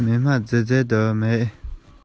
ཐོན དུས ནས ཡོད པ འདྲ བས